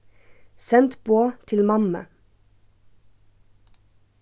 send boð til mammu